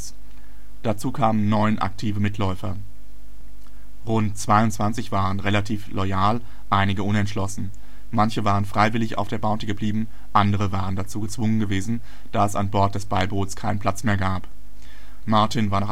kamen neun aktive Mitläufer. Rund 22 waren relativ loyal, einige unentschlossen. Manche waren freiwillig auf der Bounty geblieben, andere waren dazu gezwungen gewesen, da es an Bord des Beiboots keinen Platz mehr gab. Martin war